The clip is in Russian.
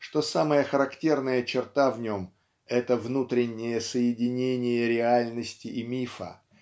что сама* характерная черта в нем это внутреннее соединение реальности и мифа